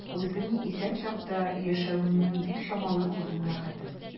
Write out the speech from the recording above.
Үзең исән чакта яшәвеңнең бик чамалы күрдең рәхәтен.